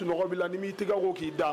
Sunɔgɔ n m'i tɛgɛ ko k'i da